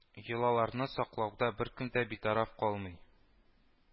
Йолаларны саклауда беркем дә битараф калмый